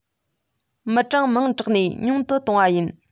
མི གྲངས མང དྲགས ནས ཉུང དུ བཏང བ ཡིན